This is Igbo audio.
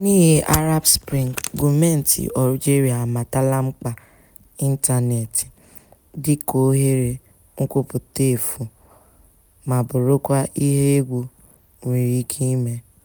N'ihi Arab Spring, gọọmentị Algeria amatala mkpa ịntaneetị, dịka ohere nkwupụta efu ma bụrụkwa ihe egwu nwere ike ime.